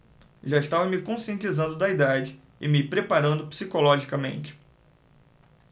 já estava me conscientizando da idade e me preparando psicologicamente